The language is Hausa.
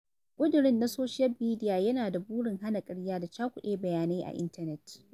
ƙudirin na soshiyal mediya yana da burin hana ƙarya da cakuɗa bayanai a intanet.